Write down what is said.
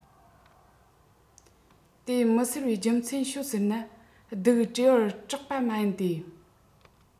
དེ མི ཟེར བའི རྒྱུ མཚན ཤོད ཟེར ན སྡུག སྤྲེའུར སྐྲག པ མ ཡིན ཏེ